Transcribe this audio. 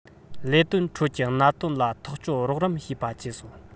ལས དོན ཁྲོད ཀྱི གནད དོན ལ ཐག གཅོད རོགས རམ བྱེད པ བཅས སོ